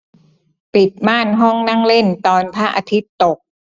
ปิดม่านห้องนั่งเล่นตอนพระอาทิตย์ตก